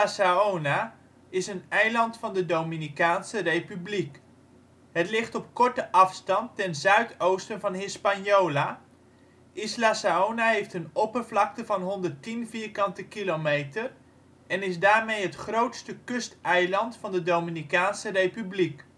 Saona is een eiland van de Dominicaanse Republiek. Het ligt op korte afstand ten zuidoosten van Hispaniola. Saona heeft een oppervlakte van 110 km² en is daarmee het grootste kusteiland van de Dominicaanse Republiek